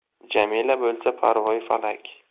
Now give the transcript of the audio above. jamila bo'lsa parvoyi falak